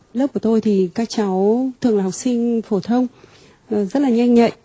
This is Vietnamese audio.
lớp của tôi thì các cháu thường là học sinh phổ thông và rất là nhanh nhạy